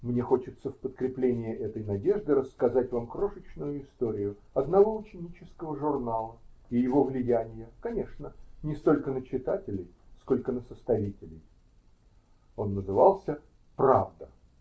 Мне хочется в подкрепление этой надежды рассказать вам крошечную историю одного ученического журнала и его влияния, конечно, не столько на читателей, сколько на составителей. Он назывался "Правда".